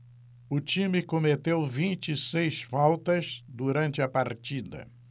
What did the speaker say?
o time cometeu vinte e seis faltas durante a partida